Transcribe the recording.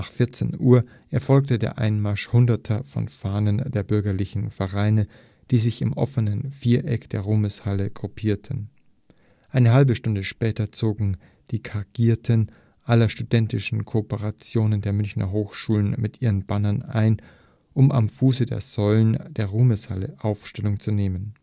14 Uhr erfolgte der Einmarsch hunderter von Fahnen der bürgerlichen Vereine, die sich im offenen Viereck der Ruhmeshalle gruppierten. Eine halbe Stunde später zogen die Chargierten aller studentischen Korporationen der Münchener Hochschulen mit ihren Bannern ein, um am Fuße der Säulen der Ruhmeshalle Aufstellung zu nehmen